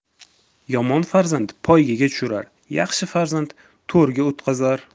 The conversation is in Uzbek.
yomon farzand poygaga tushirar yaxshi farzand to'rga o'tqazar